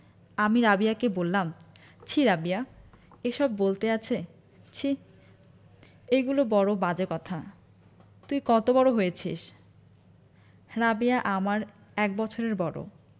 আমি রাবেয়াকে বললাম ছিঃ রাবেয়া এসব বলতে আছে ছিঃ এগুলো বড় বাজে কথা তুই কত বড় হয়েছিস রাবেয়া আমার এক বছরের বড়